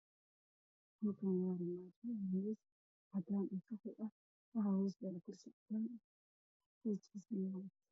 Waa qol waxa uu leeyahay miis caddaan ah qolka midabkiisa waa caddaan iyo jaalo